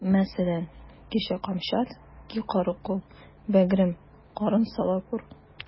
Мәсәлән: Кимә камчат, ки каракүл, бәгърем, кырын сала күр.